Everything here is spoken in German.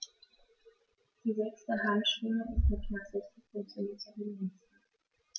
Die sechste Handschwinge ist mit knapp 60 cm die längste.